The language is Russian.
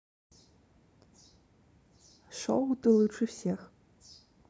шоу ты лучше всех